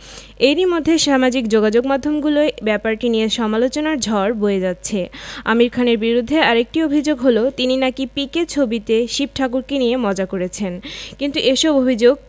এরই মধ্যে সামাজিক যোগাযোগমাধ্যমগুলোয় ব্যাপারটি নিয়ে সমালোচনার ঝড় বয়ে যাচ্ছে আমির খানের বিরুদ্ধে আরেকটি অভিযোগ হলো তিনি নাকি পিকে ছবিতে শিব ঠাকুরকে নিয়ে মজা করেছেন কিন্তু এসব অভিযোগ